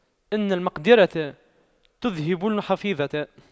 إن المقْدِرة تُذْهِبَ الحفيظة